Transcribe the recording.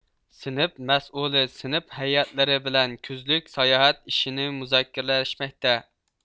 سنىپ مەسئۇلى سىنىپ ھەيئەتلىرى بىلەن كۈزلۈك ساياھەت ئىشىنى مۇزاكىرىلەشمەكتە